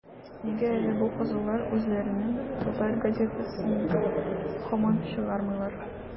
- нигә әле бу кызыллар үзләренең татар газетасын һаман чыгармыйлар?